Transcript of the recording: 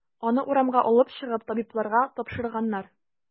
Аны урамга алып чыгып, табибларга тапшырганнар.